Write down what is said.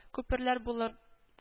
Күперләр булыр